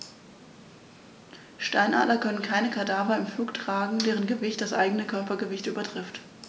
Steinadler können keine Kadaver im Flug tragen, deren Gewicht das eigene Körpergewicht übertrifft.